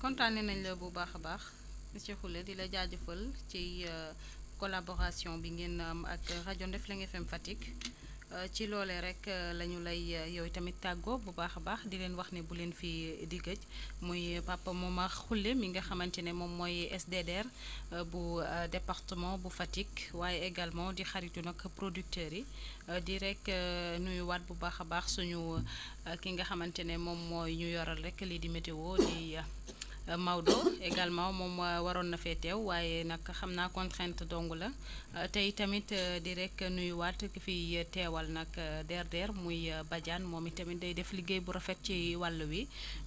kontaanee nañ la bu baax a baax monsieur Koule di la jaajëfal ci collaboration bi ngeen am ak rajo Ndefleng FM Fatick ci loolee rek la ñu lay yow tamit tàggoo bu baax a baax di leen wax ne bu leen fi di gëj muy Pape Momar Khoule mi nga xamante ne moom mooy SDDR bu département bu Fatick waaye également di xaritu nag producteurs yi di rek nuyuwaat bu baax a baax suñu ki nga xamante ne moom moo ñu yoral rek lii di météo di Maodo également moom waroon na fee teew waaye nag xam naa contrainte dong la tey tamit di rek nuyuwaat ki fi teewal nag DRDR muy Badiane moom i tamit day def liggéey bu rafet ci wàll wi